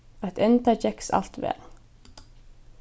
at enda gekst alt væl